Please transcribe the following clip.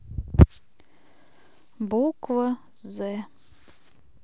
буква з